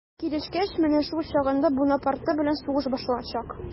Килешкәч, менә шул чагында Бунапарте белән сугыш башланачак.